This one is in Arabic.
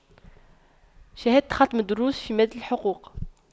شهادة ختم الدروس في مادة الحقوق